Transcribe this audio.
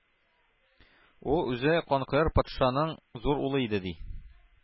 Ул үзе Канкояр патшаның зур улы иде, ди.